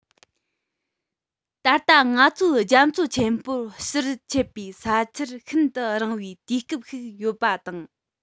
ད ལྟ ང ཚོའི རྒྱ མཚོ ཆེན པོར ཕྱིར མཆེད པའི ས ཆར ཤིན ཏུ རིང བའི དུས སྐབས ཤིག ཡོད པ དང